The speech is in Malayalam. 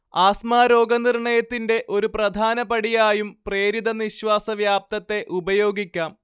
ആസ്മാ രോഗനിർണയത്തിന്റെ ഒരു പ്രധാന പടിയായും പ്രേരിത നിശ്വാസ വ്യാപ്തത്തെ ഉപയോഗിക്കാം